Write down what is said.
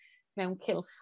mewn cylch.